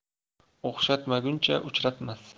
o'xshatmaguncha uchratmas